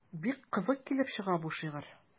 Бик кызык килеп чыга бу шигырь.